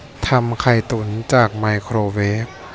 ทำไข่ตุ๋นจากไมโครเวฟ